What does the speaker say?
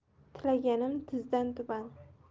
tilaganim tizdan tuban